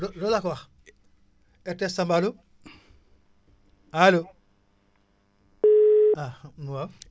lo loolu laa ko wax RTS Tamba alloo alloo ah waaw